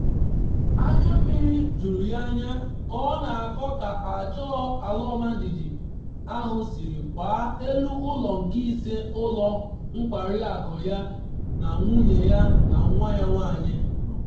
Anya mmiri juru ya anya ka ọ na-akọ ka ajọ ala ọmajiji ahụ siri kwaa elu ụlọ nke ise ụlọ nkwari akụ ya na nwunye ya na nwa ya nwanyị nọ.